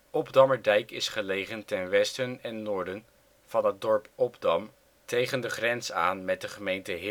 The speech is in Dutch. Obdammerdijk is gelegen ten westen en noorden van het dorp Obdam tegen de grens aan met de gemeente